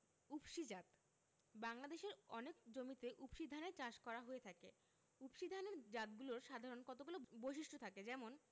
উফশী জাতঃ বাংলাদেশের অনেক জমিতে উফশী ধানের চাষ করা হয়ে থাকে উফশী ধানের জাতগুলোর সাধারণ কতগুলো বৈশিষ্ট্য থাকে যেমন